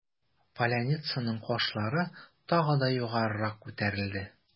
Поляницаның кашлары тагы да югарырак күтәрелде.